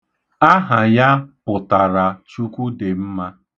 Aha ya pụtara 'Chukwu dị mma'.